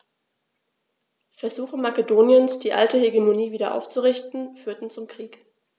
Versuche Makedoniens, die alte Hegemonie wieder aufzurichten, führten zum Krieg.